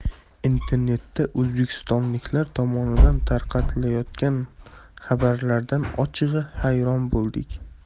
internetda o'zbekistonliklar tomonidan tarqatilayotgan xabarlardan ochig'i hayron bo'ldik